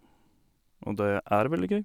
Og det er veldig gøy.